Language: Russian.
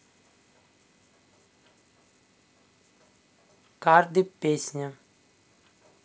cardi b песня